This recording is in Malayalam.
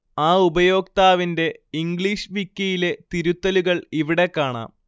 ആ ഉപയോക്താവിന്റെ ഇംഗ്ലീഷ് വിക്കിയിലെ തിരുത്തലുകൾ ഇവിടെ കാണാം